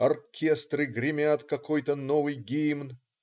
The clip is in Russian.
Оркестры гремят какой-то новый гимн!!.